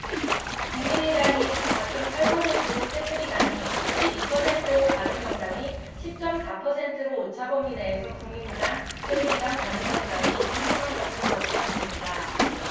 국민의당이 십 사 쩜 팔 퍼센트로 새누리당이 십 이 퍼센트 바른정당이 십 쩜 사 퍼센트로 오차범위 내에서 국민의당 새누리당 바른정당이 팽팽한 것으로 나타났습니다